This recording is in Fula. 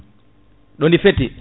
ɗo ndi feeti